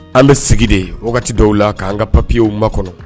An bɛ sigi de dɔw la k'an ka papiyew ma kɔnɔ